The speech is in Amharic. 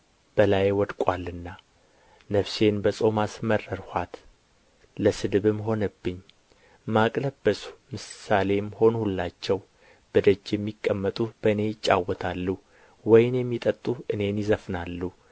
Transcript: በላዬ ወድቆአልና ነፍሴን በጾም አስመረርሁአት ለስድብም ሆነብኝ ማቅ ለበስሁ ምሳሌም ሆንሁላቸው በደጅ የሚቀመጡ በእኔ ይጫወታሉ ወይን የሚጠጡ እኔን ይዘፍናሉ